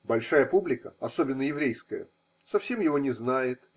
Большая публика, особенно еврейская, совсем его не знает.